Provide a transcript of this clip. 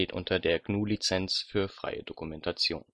unter der GNU Lizenz für freie Dokumentation